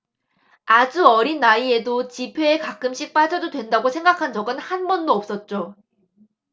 아주 어린 나이에도 집회에 가끔씩 빠져도 된다고 생각한 적은 한 번도 없었죠